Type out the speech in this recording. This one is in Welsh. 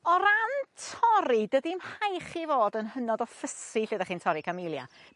O ran torri dydi'm rhai' chi fod yn hynod o fusy lle 'dach chi'n torri Camellia.